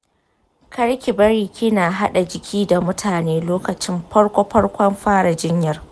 karki bari kina hada jiki da mutane lokacin farko farkon fara jinyar.